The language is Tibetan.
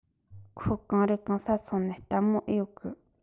ཁོད གང རི གང ང སོང ནིས ལྟད མོ ཨེ ཡོད གི